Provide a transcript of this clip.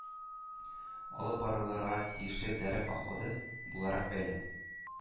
Алып барылырга тиешле “тәре походы” буларак бәяли.